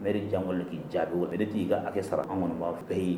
N de janwaleli k'i jaabi wa deli t'i' hakɛ sara an kɔnɔbaga bɛɛ ye